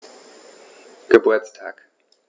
Geburtstag